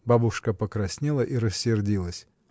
Бабушка покраснела и рассердилась.